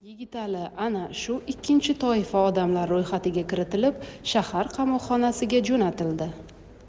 yigitali ana shu ikkinchi toifa odamlar ro'yxatiga kiritilib shahar qamoqxonasiga jo'natildi